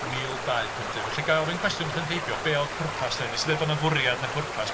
Mil dau pump dim felly ga'i ofyn cwestiwn wrth fynd heibio; Be oedd pwrpas o, wnes 'di ddeud bod 'na fwriad neu pwrpas.